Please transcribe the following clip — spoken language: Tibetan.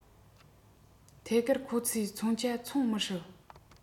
ཐད ཀར ཁོ ཚོས མཚོན ཆ འཚོང མི སྲིད